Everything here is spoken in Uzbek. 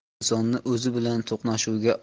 insonni o'zi bilan to'qnashuvga